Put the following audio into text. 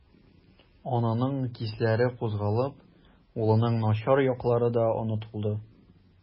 Ананың хисләре кузгалып, улының начар яклары да онытылды.